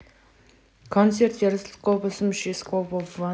концерт ярослава сумишевского в анапе